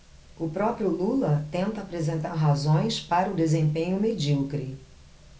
o próprio lula tenta apresentar razões para o desempenho medíocre